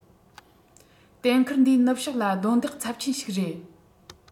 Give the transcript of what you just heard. གཏན འཁེལ འདིའི ནུབ ཕྱོགས ལ རྡུང རྡེག ཚབས ཆེན ཞིག རེད